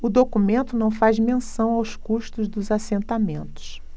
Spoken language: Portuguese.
o documento não faz qualquer menção aos custos dos assentamentos